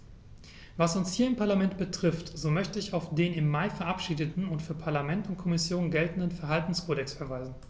Was uns hier im Parlament betrifft, so möchte ich auf den im Mai verabschiedeten und für Parlament und Kommission geltenden Verhaltenskodex verweisen.